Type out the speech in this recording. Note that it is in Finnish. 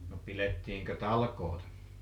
no pidettiinkö talkoot